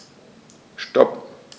Stop.